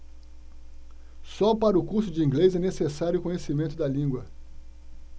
só para o curso de inglês é necessário conhecimento da língua